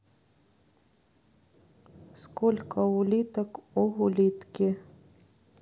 сколько улиток у улитки